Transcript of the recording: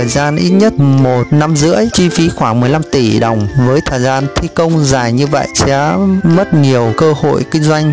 thời gian ít nhất năm chi phí khoảng tỷ đồng với thời gian thi công dài như vậy sẽ mất nhiều cơ hội kinh doanh